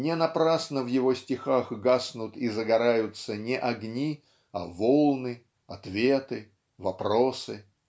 не напрасно в его стихах гаснут и загораются не огни а "волны" "ответы" "вопросы".